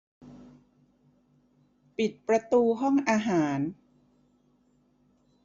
ปิดประตูห้องอาหาร